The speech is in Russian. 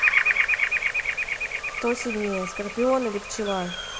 кто сильнее скорпион или пчела